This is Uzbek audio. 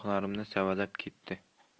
narsani sinchiklab ko'zdan kechirardim